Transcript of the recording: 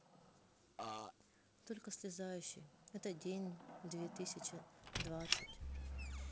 только слезающий это день две тысячи двадцать